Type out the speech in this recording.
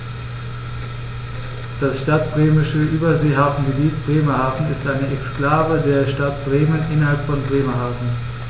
Das Stadtbremische Überseehafengebiet Bremerhaven ist eine Exklave der Stadt Bremen innerhalb von Bremerhaven.